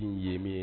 I ye min ye